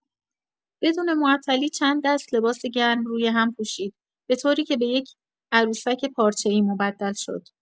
بدون معطلی چند دست لباس گرم روی‌هم پوشید، به‌طوری‌که به یک عروسک پارچه‌ای مبدل شد.